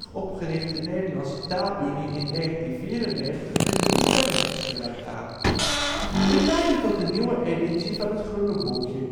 opgerichte Nederlandse Taalunie in 1994 een nieuw spellingbesluit aan. Dit leidde tot een nieuwe editie van het Groene Boekje